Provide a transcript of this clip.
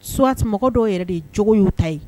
Suwati mɔgɔ dɔw yɛrɛ de jogo y'u ta ye